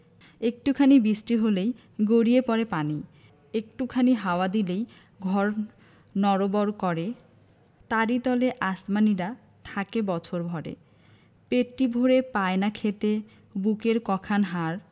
একটু খানি বিষ্টি হলেই গড়িয়ে পড়ে পানি একটু খানি হাওয়া দিলেই ঘর নড়বড় করে তারি তলে আসমানীরা থাকে বছর ভরে পেটটি ভরে পায় না খেতে বুকের ক খান হাড়